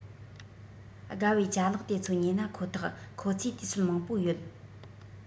དགའ བའི ཅ ལག དེ ཚོ ཉོས ན ཁོ ཐག ཁོ ཚོས དུས ཚོད མང པོ ཡོད